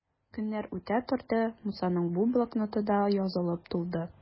Көннәр үтә торды, Мусаның бу блокноты да язылып тулды.